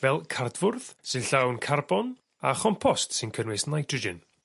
Fel cardfwrdd sy'n llawn carbon a chompost sy'n cynnwys nitrogen.